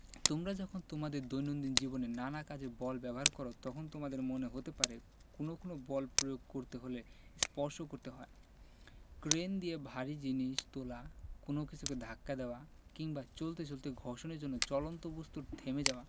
তোমরা যখন তোমাদের দৈনন্দিন জীবনে নানা কাজে বল ব্যবহার করো তখন তোমাদের মনে হতে পারে কোনো কোনো বল প্রয়োগ করতে হলে স্পর্শ করতে হয় ক্রেন দিয়ে ভারী জিনিস তোলা কোনো কিছুকে ধাক্কা দেওয়া কিংবা চলতে চলতে ঘর্ষণের জন্য চলন্ত বস্তুর থেমে যাওয়া